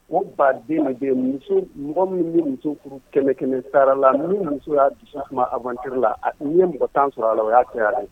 O baden de de ye muso mɔgɔ min bɛ misi kɛmɛ kɛnɛ taara la min muso y'a dusu a manri la ye mɔgɔ tan sɔrɔ a la o y'a kɛ ye